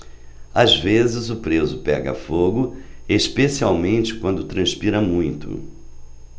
às vezes o preso pega fogo especialmente quando transpira muito